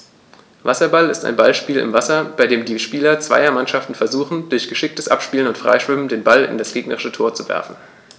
Wasserball ist ein Ballspiel im Wasser, bei dem die Spieler zweier Mannschaften versuchen, durch geschicktes Abspielen und Freischwimmen den Ball in das gegnerische Tor zu werfen.